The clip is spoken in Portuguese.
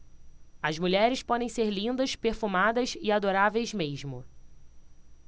as mulheres podem ser lindas perfumadas e adoráveis mesmo